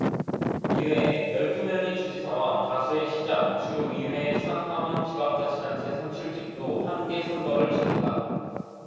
이외에 열 두 명의 주지사와 다수의 시장 주 의회 상 하원 지방자치단체 선출직도 함께 선거를 치른다